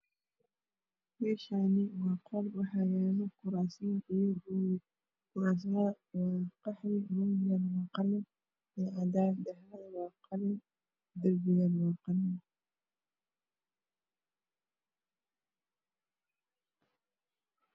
Meshani waa qol waxyalo kursaman io romi kursamad waa qaxwi romigan waa qalin io cadan dahmankan waa qalin darbigan waa qalin